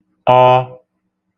ọ